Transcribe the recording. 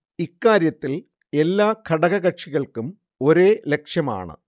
ഇക്കാര്യത്തിൽ എല്ലാ ഘടക കക്ഷികൾക്കും ഒരേ ലക്ഷ്യമാണ്